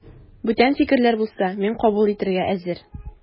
Бүтән фикерләр булса, мин кабул итәргә әзер.